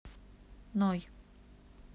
ной